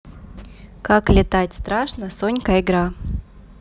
как летать страшно сонька игра